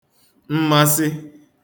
mmasị